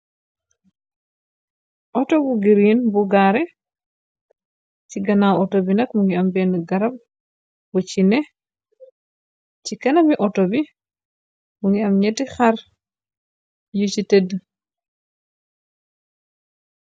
Auto bu giriin bu gaare ci ganaaw auto bi nag mu ngi am bénn garab waccine ci kana mi auto bi mu ngi am ñetti xar yu ci teddi.